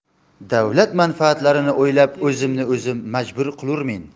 davlat manfaatlarini o'ylab o'zimni o'zim majbur qilurmen